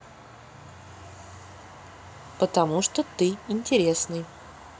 потому что ты интересный